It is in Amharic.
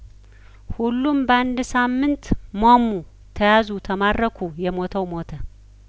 ሁሉም በአንድ ሳምንት ሟሙ ተያዙ ተማረኩ የሞተው ሞተ